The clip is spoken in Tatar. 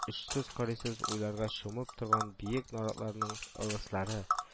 Очсыз-кырыйсыз уйларга чумып торган биек наратларның ылыслары